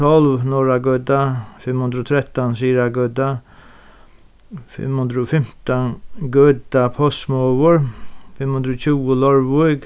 tólv norðragøta fimm hundrað og trettan syðrugøta fimm hundrað og fimtan gøta postsmogur fimm hundrað og tjúgu leirvík